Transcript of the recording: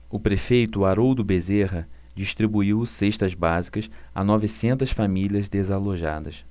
o prefeito haroldo bezerra distribuiu cestas básicas a novecentas famílias desalojadas